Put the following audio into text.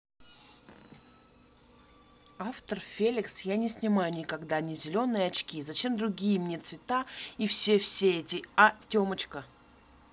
автор феликс я не снимаю никогда не зеленые очки зачем другие мне цвета и все все эти а темочка